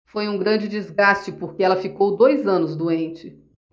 foi um grande desgaste porque ela ficou dois anos doente